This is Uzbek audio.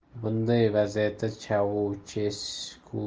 bunday vaziyatda chaushesku